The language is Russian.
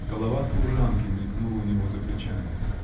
голова служанки мелькнула у него за плечами.